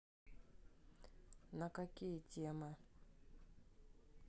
на какие темы